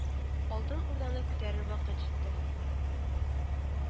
Алтын Урданы күтәрер вакыт җитте